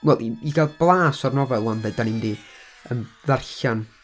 Wel, i- i gael blas o'r nofel 'wan de, dan ni'n mynd i, yym, ddarllen...